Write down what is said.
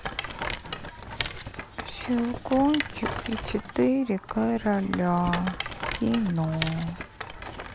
щелкунчик и четыре короля кино